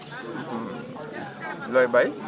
looy bay